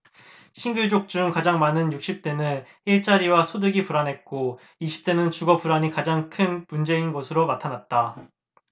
싱글족 중 가장 많은 육십 대는 일자리와 소득이 불안했고 이십 대는 주거 불안이 가장 큰 문제인 것으로 나타났다